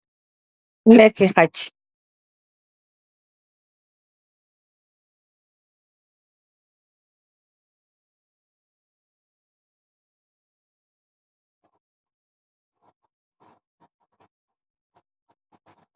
Leekey xaaj